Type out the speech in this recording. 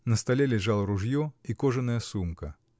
На столе лежало ружье и кожаная сумка.